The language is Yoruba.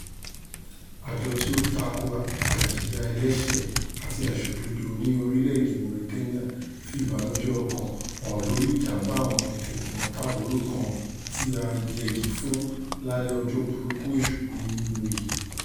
Àjọ tí ó ń tako àìjìyà ẹlẹ́ṣẹ̀ àti àìṣòdodo ní orílẹ̀-èdè Mauritania fi ìbànújẹ́ ọkàn hàn lórí ìjàm̀bá àwọn tẹ̀gbọ́n-tàbúrò kan tí a yẹgi fún lálẹ́ ọjọ́ burúkú Èṣù gbomi mu yìí: